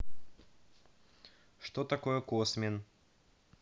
что такое космин